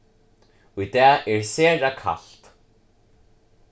í dag er sera kalt